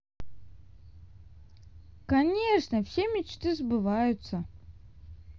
конечно все мечты сбываются